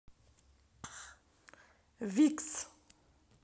vixx